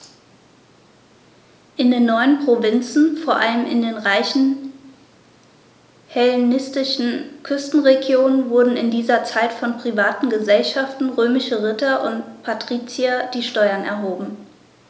In den neuen Provinzen, vor allem in den reichen hellenistischen Küstenregionen, wurden in dieser Zeit von privaten „Gesellschaften“ römischer Ritter und Patrizier die Steuern erhoben.